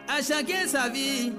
A chacun sa vie